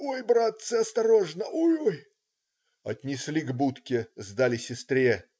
"ой, братцы, осторожно, ой, ой!" Отнесли к будке, сдали сестре.